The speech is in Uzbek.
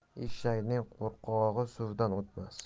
eshakning qo'rqog'i suvdan o'tmas